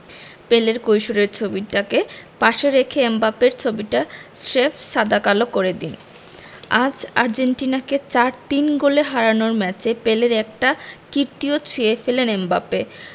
পেলের কৈশোরের ছবিটাকে পাশে রেখে এমবাপ্পের ছবিটা স্রেফ সাদা কালো করে দিন আজ আর্জেন্টিনাকে ৪ ৩ গোলে হারানোর ম্যাচে পেলের একটা কীর্তিও ছুঁয়ে ফেললেন এমবাপ্পে